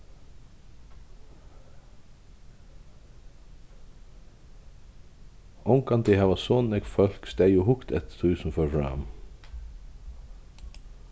ongantíð hava so nógv fólk staðið og hugt eftir tí sum fór fram